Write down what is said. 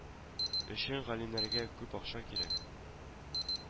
Өчен галимнәргә күп акча кирәк